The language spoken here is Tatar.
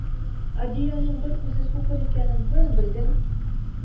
Ә дөянең бер күзе сукыр икәнен каян белдең?